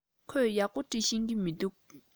ཁོས ཡག པོ འབྲི ཤེས ཀྱི མིན འདུག